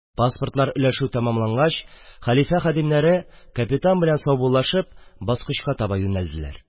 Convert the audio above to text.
Паспортлар өләшү тамамлангач, хәлифә хәдимнәре капитан белән саубуллашып, баскычка таба юнәлделәр.